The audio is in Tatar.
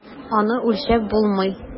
Аны үлчәп булмый.